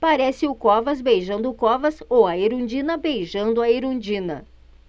parece o covas beijando o covas ou a erundina beijando a erundina